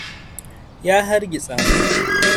Ya hargitsa mu.